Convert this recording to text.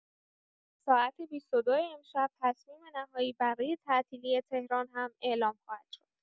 ساعت ۲۲ امشب تصمیم نهایی برای تعطیلی تهران هم اعلام خواهد شد.